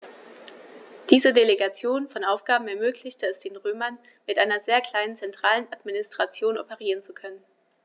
Diese Delegation von Aufgaben ermöglichte es den Römern, mit einer sehr kleinen zentralen Administration operieren zu können.